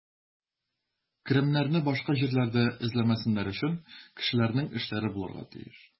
Керемнәрне башка җирләрдә эзләмәсеннәр өчен, кешеләрнең эшләре булырга тиеш.